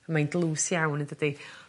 A mae'n dlws iawn yndydi?